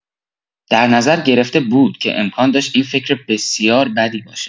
در نظر گرفته بود که امکان داشت این فکر بسیار بدی باشد.